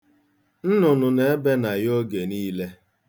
Nnụnụ na-ebe na ya oge niile.